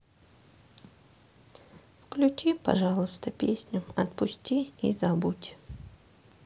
включи пожалуйста песню отпусти и забудь